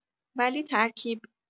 ولی ترکیب